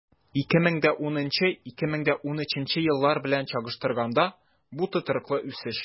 2010-2013 еллар белән чагыштырганда, бу тотрыклы үсеш.